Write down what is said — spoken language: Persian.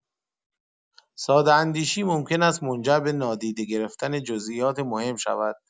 ساده‌اندیشی ممکن است منجر به نادیده گرفتن جزئیات مهم شود.